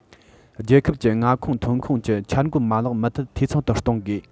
རྒྱལ ཁབ ཀྱི མངའ ཁོངས ཐོན ཁུངས ཀྱི འཆར འགོད མ ལག མུ མཐུད འཐུས ཚང དུ གཏོང དགོས